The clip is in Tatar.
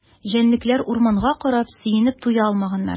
Җәнлекләр урманга карап сөенеп туя алмаганнар.